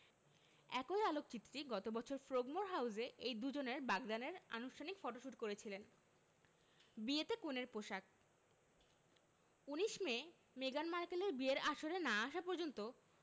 একই আলোকচিত্রী গত বছর ফ্রোগমোর হাউসে এই দুজনের বাগদানের আনুষ্ঠানিক ফটোশুট করেছিলেন বিয়েতে কনের পোশাক ১৯ মে মেগান মার্কেলের বিয়ের আসরে না আসা পর্যন্ত